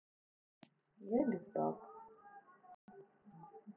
я без баб